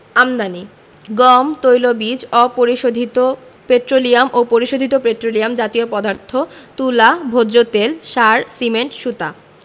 আমদানিঃ গম তৈলবীজ অপরিশোধিত পেট্রোলিয়াম ও পরিশোধিত পেট্রোলিয়াম জাতীয় পদার্থ তুলা ভোজ্যতেল সার সিমেন্ট সুতা